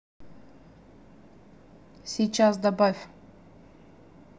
сейчас добавь